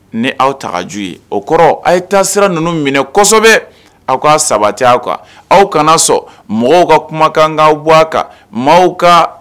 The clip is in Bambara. Ni aw tagaju ye o kɔrɔ aw ye taa sira ninnu minɛ kosɛbɛ aw ka saba tɛ aw kan aw kana sɔn mɔgɔw ka kumakan kan ka buwa kan maaw ka